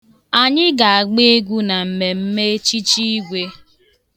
Anyị ga-agba egwụ na mmemme echichi igwe.